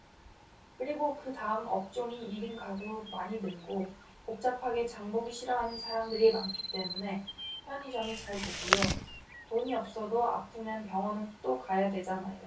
그리고 그다음 업종이 일 인 가구 많이 늘고 복잡하게 장보기 싫어하는 사람들이 많기 때문에 편의점이 잘되고요 돈이 없어도 아프면 병원은 또 가야 되잖아요